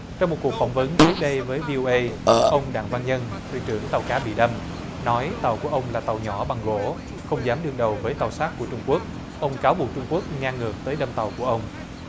trong một cuộc phỏng vấn trước đây với vi ô ây ông đặng văn nhân thuyền trưởng tàu cá bị đâm nói tàu của ông là tàu nhỏ bằng gỗ không dám đương đầu với tàu sắt của trung quốc ông cáo buộc trung quốc ngang ngược đâm tàu của ông